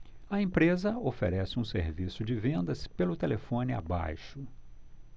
a empresa oferece um serviço de vendas pelo telefone abaixo